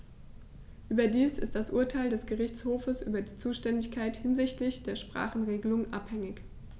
Überdies ist das Urteil des Gerichtshofes über die Zuständigkeit hinsichtlich der Sprachenregelung anhängig.